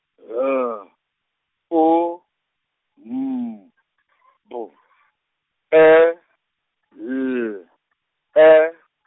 L U M B E L E.